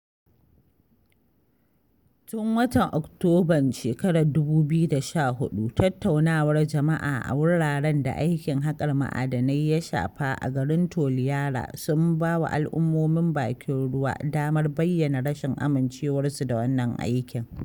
Tun watan Oktoban 2014, tattaunawar jama’a a wuraren da aikin haƙar ma’adinai ya shafa a garin Toliara sun bawa al’ummomin bakin ruwa damar bayyana rashin amincewarsu da wannan aikin.